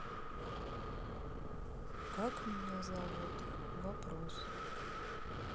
как меня зовут вопрос